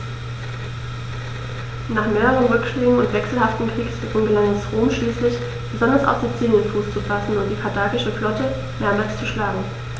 Nach mehreren Rückschlägen und wechselhaftem Kriegsglück gelang es Rom schließlich, besonders auf Sizilien Fuß zu fassen und die karthagische Flotte mehrmals zu schlagen.